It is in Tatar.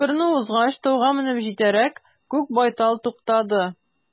Күперне узгач, тауга менеп җитәрәк, күк байтал туктады.